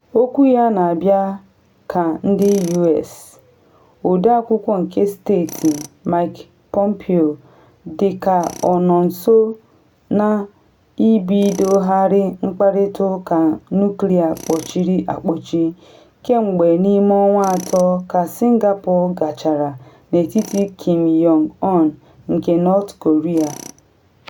Okwu ya na abịa ka ndị US. Ọde Akwụkwọ nke Steeti Mike Pompeo dị ka ọ nọ nso na ibidogharị mkparịta ụka nuklịa kpọchiri akpọchi kemgbe n’ime ọnwa atọ ka Singapore gachara n’etiti Kim Jong Un nke North Korea.